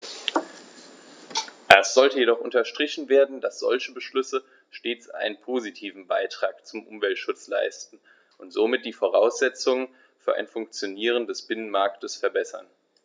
Es sollte jedoch unterstrichen werden, dass solche Beschlüsse stets einen positiven Beitrag zum Umweltschutz leisten und somit die Voraussetzungen für ein Funktionieren des Binnenmarktes verbessern.